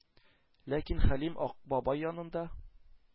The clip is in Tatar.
Ләкин Хәлим Ак бабай янында